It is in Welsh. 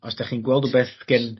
os 'dach chi'n gweld wbeth gin